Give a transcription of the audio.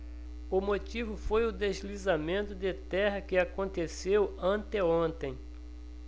o motivo foi o deslizamento de terra que aconteceu anteontem